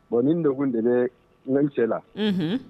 Bon nin degun de bɛ ne n'cɛ la, unhun.